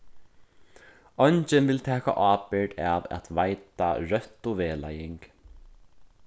eingin vil taka ábyrgd av at veita røttu vegleiðing